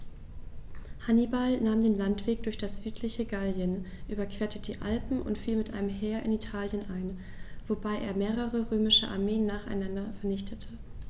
Hannibal nahm den Landweg durch das südliche Gallien, überquerte die Alpen und fiel mit einem Heer in Italien ein, wobei er mehrere römische Armeen nacheinander vernichtete.